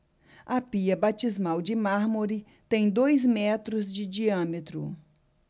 a pia batismal de mármore tem dois metros de diâmetro